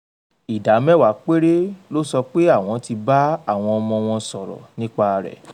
Ìdá mẹ́wàá péré ló sọ pé àwọn ti bá àwọn ọmọ wọn sọ̀rọ̀ nípa rẹ̀.